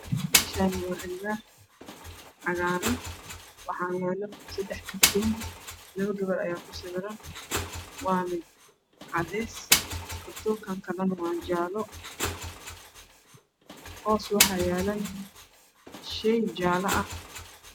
Meshan waa alwax cagaran waxa yalo sedx karton labo gabar aya kusawiran waan cades kartonkan kale waa jale hose waxa yalo shey jale ah